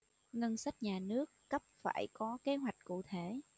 ngân sách nhà nước cấp phải có kế hoạch cụ thể